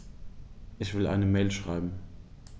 Ich will eine Mail schreiben.